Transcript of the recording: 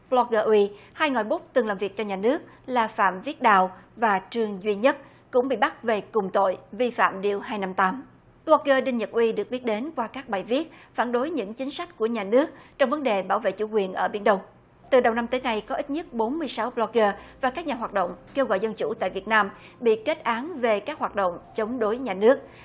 bờ loóc gơ uy hai ngòi bút từng làm việc cho nhà nước là phạm viết đào và trương duy nhất cũng bị bắt về cùng tội vi phạm điều hai năm tám bờ loóc gơ đinh nhật uy được biết đến và các bài viết phản đối những chính sách của nhà nước trong vấn đề bảo vệ chủ quyền ở biển đông từ đầu năm tới nay có ít nhất bốn mươi sáu bờ loóc gơ và các nhà hoạt động kêu gọi dân chủ tại việt nam bị kết án về các hoạt động chống đối nhà nước